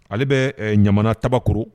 Ale bɛ ɲamana tabakoro